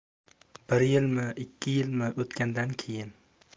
bir yilmi ikki yilmi o'tgandan keyin